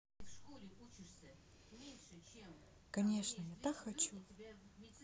конечно я так хочу